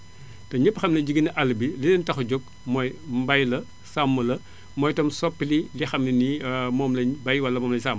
te ñépp xam nañu jigéenu àll bi li leen tax a jóg mooy mbay la sàmm la mooy itam soppi li li xam ne nii moom lañu bay wala moom lañu sàmm